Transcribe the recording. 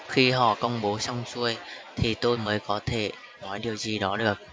khi họ công bố xong xuôi thì tôi mới có thể nói điều gì đó được